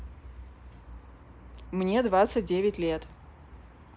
мне двадцать девять лет